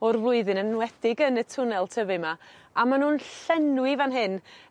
o'r flwyddyn yn enwedig yn y twnnel tyfu 'ma a ma' nw'n llenwi fan hyn